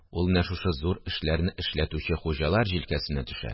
Ул менә шушы зур эшләрне эшләтүче хуҗалар җилкәсенә төшә